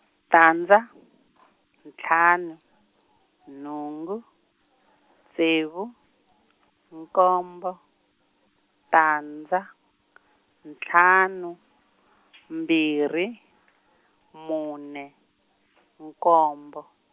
tandza , ntlhanu, nhungu, ntsevu , nkombo, tandza , ntlhanu , mbirhi, mune nkombo.